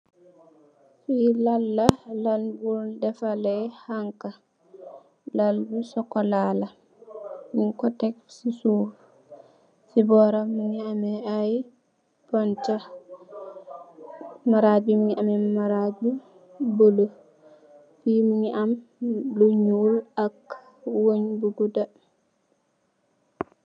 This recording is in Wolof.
Fee lal la lal bun defare hanka lal be sukola la nugku tek se suuf se boram muge ameh aye banta marage be muge ameh marage bu bulo fee muge ameh lu nuul ak weah pu gouda.